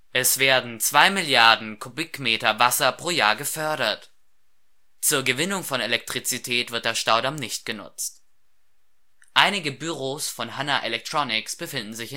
Es werden zwei Milliarden Kubikmeter Wasser pro Jahr gefördert. Zur Gewinnung von Elektrizität wird der Staudamm nicht genutzt. Einige Büros von Hana Electronics befinden sich